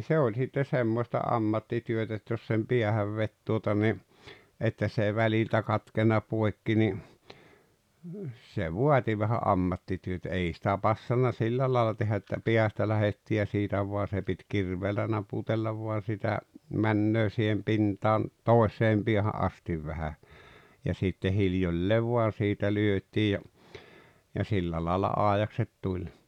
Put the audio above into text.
se oli sitten semmoista ammattityötä että jos sen päähän veti tuota niin että se ei väliltä katkennut poikki niin se vaati vähän ammattityötä ei sitä passannut sillä lailla tehdä että päästä lähdettiin ja siitä vaan se piti kirveellä naputella vain sitä menee siihen pintaan toiseen päähän asti vähän ja sitten hiljalleen vain siitä lyötiin ja ja sillä lailla aidakset tuli